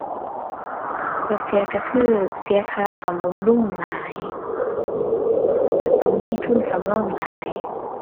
ข้อเสียก็คือเสียค่าซ่อมบำรุงหลาย แล้วก็ต้องมีทุนสำรองหลาย